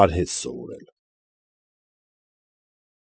Արհեստ սովորել։